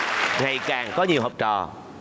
ngày càng có nhiều học trò